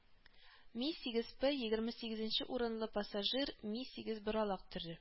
Ми-сигез П егерме сигез урынлы пассажир Ми-сигез боралак төре